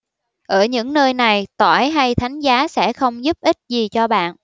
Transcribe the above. ở những nơi này tỏi hay thánh giá sẽ không giúp ích gì cho bạn